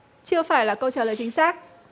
chưa phải là câu trả lời chính xác